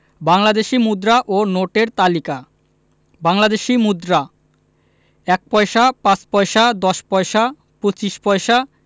বাংলাদেশি মুদ্রা ও নোটের তালিকাঃ বাংলাদেশি মুদ্রাঃ ১ পয়সা ৫ পয়সা ১০ পয়সা ২৫ পয়সা